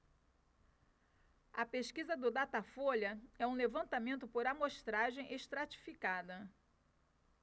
a pesquisa do datafolha é um levantamento por amostragem estratificada